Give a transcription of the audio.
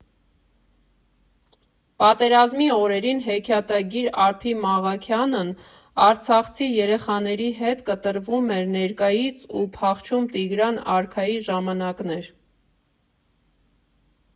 Պատերազմի օրերին հեքիաթագիր Արփի Մաղաքյանն արցախցի երեխաների հետ կտրվում էր ներկայից ու փախչում Տիգրան արքայի ժամանակներ։